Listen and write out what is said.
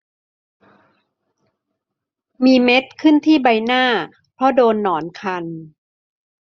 มีเม็ดขึ้นที่ใบหน้าเพราะโดนหนอนคัน